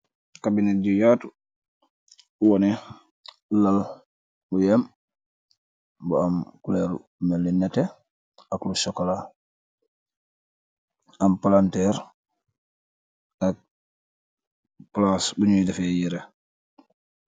Kabineet ju yatu wanee lal yu em bu am coloor bu melne netee ak lu sukola, am palanterr ak plass bunuy defe yereh.